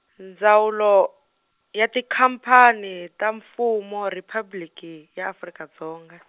Ndzawulo, ya Tikhampani ta Mfumo Riphabliki ya Afrika Dzonga.